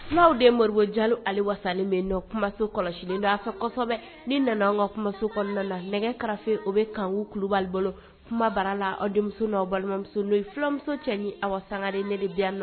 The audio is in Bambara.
N de moriɔri ja wasaali bɛ kumaso kɔlɔsilen a ni nana an ka kumaso kɔnɔna la nɛgɛ kɛrɛfɛfe o bɛ kankubali bolo kuma bara la aw denmuso n balimamuso no ye filamuso cɛ ni a wa sangare ne debi na